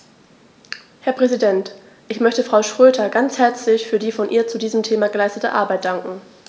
Herr Präsident, ich möchte Frau Schroedter ganz herzlich für die von ihr zu diesem Thema geleistete Arbeit danken.